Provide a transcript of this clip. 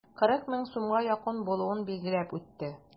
40 мең сумга якын булуын билгеләп үтте.